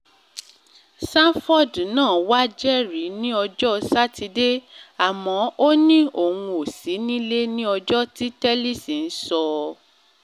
Sanford náà wá jẹ́rìí ní ọjọ́ Sátidé. Àmọ́ ó ní òun ò sí nílé ní ọjọ́ tí Telli ń sọ.